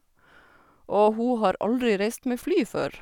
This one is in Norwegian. Og hun har aldri reist med fly før.